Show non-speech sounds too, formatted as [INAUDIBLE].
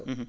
[HESITATION] [HESITATION]